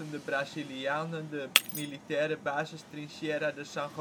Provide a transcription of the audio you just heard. de Brazilianen de militiaire basis Trinchera de San